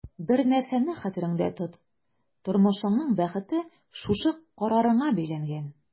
Бер нәрсәне хәтерендә тот: тормышыңның бәхете шушы карарыңа бәйләнгән.